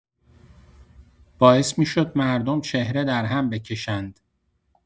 باعث می‌شد مردم چهره درهم بکشند